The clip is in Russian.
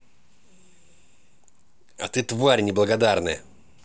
а ты тварь неблагодарная